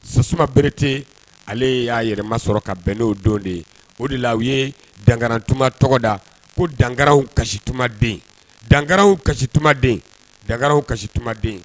Sasuma Berete ale y'a yɛrɛma sɔrɔ ka bɛn n'o don de ye, o de la u ye dankarantuma tɔgɔ da. Ko dankaraw kasi tuma den, dankaraw kasi tuma den ,dankaraw kasi tuma den.